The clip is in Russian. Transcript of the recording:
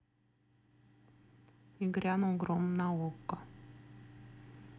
и грянул гром на окко